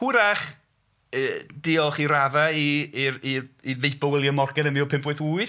Hwyrach yy diolch i raddau i i'r i feibl Wiliam Morgan yn mil pump wyth wyth